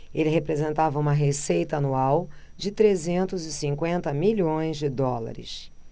ele representava uma receita anual de trezentos e cinquenta milhões de dólares